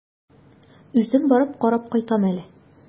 Үзем барып карап кайтам әле.